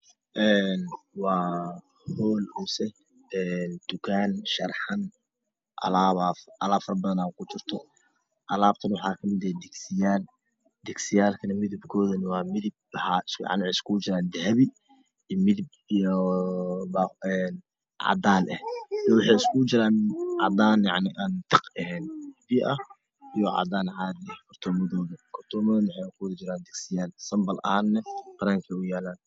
Waa hool mise tukaan sharaxan alaab faro badan ayaa ku jirto. Alaabtana waxaa ka mid ah digsiyaal. Digsiyaalkana midabkoodu waxuu iskugu jiraan dahabi iyo cadaan aan tiq ahayn iyo cadaan caadiya . Kartoon madow na waxaa ku jira digsiyaal, kuwana sambal ahaana banaan ka yaalaan.